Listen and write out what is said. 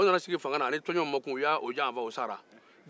o nana sigi fanga a ni tɔjɔnw ma kun u y'a janfa